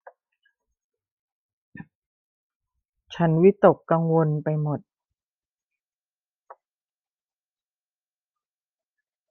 ฉันวิตกกังวลไปหมด